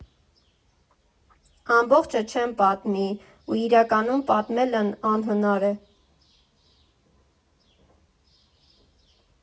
Ամբողջը չեմ պատմի, ու իրականում պատմելն անհնար է։